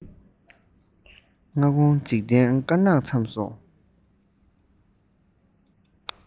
སྔ དགོང འཇིག རྟེན དཀར ནག མཚམས སུ